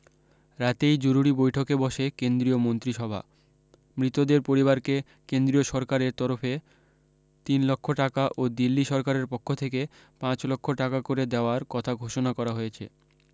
রাতেই জরুরি বৈঠকে বসে কেন্দ্রীয় মন্ত্রীসভা মৃতদের পরিবারকে কেন্দ্রীয় সরকারের তরফে তিন লক্ষ টাকা ও দিল্লী সরকারের পক্ষ থেকে পাঁচ লক্ষ টাকা করে দেওয়ার কথা ঘোষণা করা হয়েছে